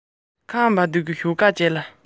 ཁོས ངའི ཉི མ སྒྲིབ པ མ ཟད